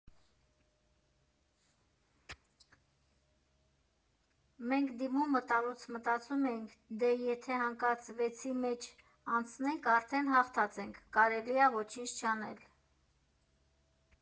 Մենք դիմումը տալուց մտածում էինք՝ դե եթե հանկարծ վեցի մեջ անցնենք, արդեն հաղթած ենք, կարելի ա ոչինչ չանել։